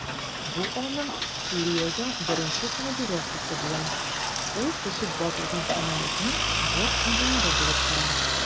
Бу аның Сүриягә беренче командировкасы була, ул төшеп ватылган самолетның бортинженеры булып тора.